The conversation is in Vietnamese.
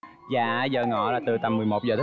dạ giờ ngọ là từ tầm mười một giờ